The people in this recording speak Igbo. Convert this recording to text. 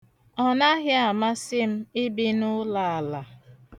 Ọnaghị amasị m ibi n'ụlaala.